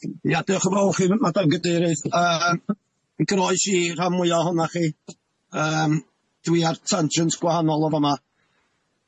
Ia diolch yn fowr i chi madam gadeirydd, yym i grynoi dwi'n goroes i rhan mwya ohonoch chi yym dwi ar tangent gwahanol yn fama.